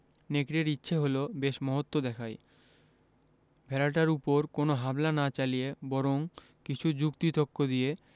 নেকড়ের ইচ্ছে হল বেশ মহত্ব দেখায় ভেড়াটার উপর কোন হামলা না চালিয়ে বরং কিছু যুক্তি তক্ক দিয়ে